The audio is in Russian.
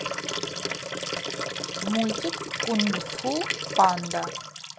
мультик кунг фу панда